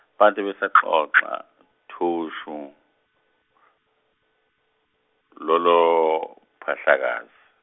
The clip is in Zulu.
bathe besaxoxa thushu, lolo phahlakazi.